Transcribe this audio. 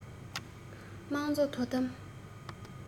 དམངས གཙོ དོ དམ